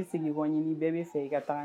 I bɛ seginkɔ ɲini. Bɛɛ bɛ segin ka taa.